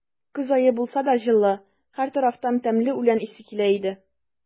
Көз ае булса да, җылы; һәр тарафтан тәмле үлән исе килә иде.